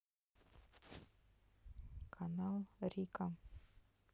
канал рика